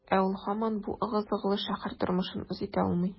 Ә ул һаман бу ыгы-зыгылы шәһәр тормышын үз итә алмый.